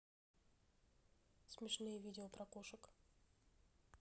смешные видео про кошек